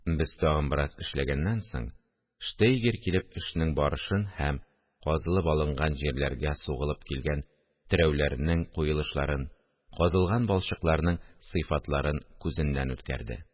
Без тагын бераз эшләгәннән соң, штейгер килеп эшнең барышын һәм казылып алынган җирләргә сугылып килгән терәүләрнең куелышларын, казылган балчыкларның сыйфатларын күзеннән үткәрде